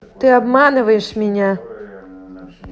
ты обманываешь меня